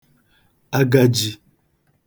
agajī